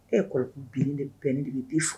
E kɔrɔkɛ bi de bɛnnen de bɛ bi fɔ